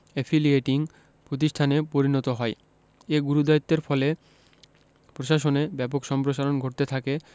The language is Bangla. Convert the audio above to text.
এফিলিয়েটিং প্রতিষ্ঠানে পরিণত হয় এ গুরুদায়িত্বের ফলে পরবর্তীকালে বিশ্ববিদ্যালয় প্রশাসনে ব্যাপক সম্প্রসারণ ঘটতে থাকে